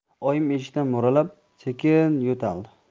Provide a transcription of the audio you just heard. oyim eshikdan mo'ralab sekin yo'taldi